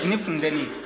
i ni funteni